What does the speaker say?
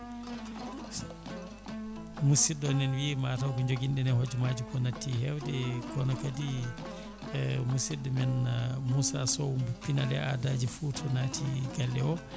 musidɗo nana wiiya matw ko joguinoɗen e hoojomaji ko natti hewde e kono kadi musidɗo men Moussa Sow mo piinal e aadaji Fouta naati galle o